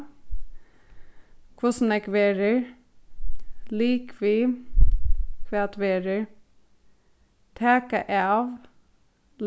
hvussu nógv verður ligvið hvat verður taka av